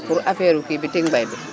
pour affaire kii bi Ticmbay bi